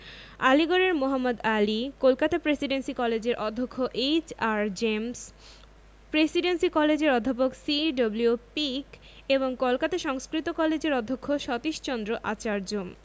আলীগড়ের Mohammad Ali Kolkata presidency কলেজের অধ্যক্ষ H R James presidency কলেজের অধ্যাপক সি.ডব্লিউ পিক এবং কলকাতা সংস্কৃত কলেজের অধ্যক্ষ সতীশচন্দ্র আচার্য